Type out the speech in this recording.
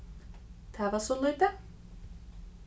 tað var so lítið